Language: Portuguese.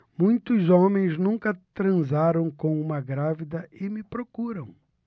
muitos homens nunca transaram com uma grávida e me procuram